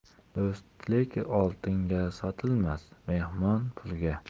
do'stlik oltinga sotilmas mehmon pulga